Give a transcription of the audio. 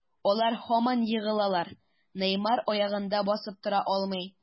Алар һаман егылалар, Неймар аягында басып тора алмый.